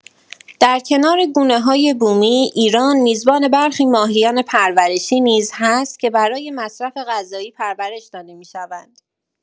در کنار گونه‌های بومی، ایران میزبان برخی ماهیان پرورشی نیز هست که برای مصرف غذایی پرورش داده می‌شوند.